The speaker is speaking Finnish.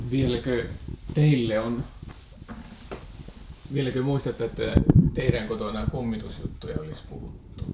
vieläkö teille on vieläkö muistatte että teidän kotona kummitusjuttuja olisi puhuttu